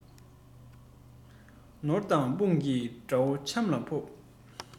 ནོར དང དཔུང གིས དགྲ བོ ཆམ ལ ཕོབ